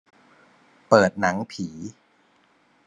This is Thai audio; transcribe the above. เปิดหนังผี